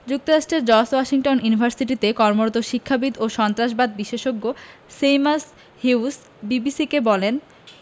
যুক্তরাষ্ট্রের George Washington ইউনিভার্সিটিতে কর্মরত শিক্ষাবিদ ও সন্ত্রাসবাদ বিশেষজ্ঞ সেইমাস হিউজ বিবিসিকে বলেন